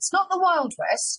It's not the wild west.